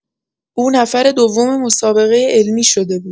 او نفر دوم مسابقۀ علمی شده بود.